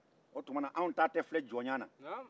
o tuma na an taatɔ filɛ jɔnya la